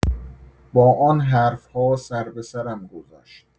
با آن حرف‌ها سر به سرم گذاشت.